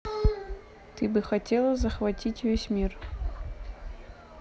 ты бы хотела захватить весь мир